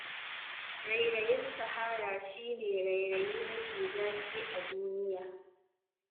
Rairayin Sahara shi ne rairayi mafi zafi a duniya.